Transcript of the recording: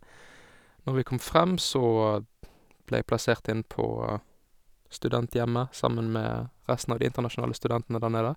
Når vi kom frem, så ble jeg plassert inn på studenthjemmet sammen med resten av de internasjonale studentene der nede.